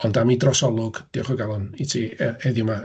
Ond am 'i drosolwg, diolch o galon i ti yy heddiw 'ma...